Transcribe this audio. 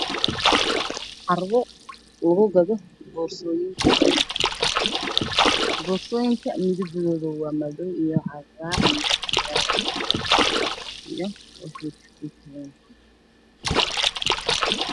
Waa boorsooyin horyaalo meel carwo midabkooda yihiin madow buluug cagaar dhulka waa caddaan